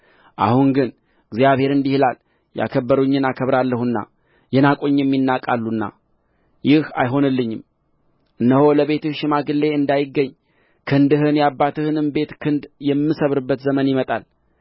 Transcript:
አሁን ግን እግዚአብሔር እንዲህ ይላል ያከበሩኝን አከብራለሁና የናቁኝም ይናቃሉና ይህ አይሆንልኝም እነሆ ለቤትህ ሽማግሌ እንዳይገኝ ክንድህን የአባትህንም ቤት ክንድ የምሰብርበት ዘመን ይመጣል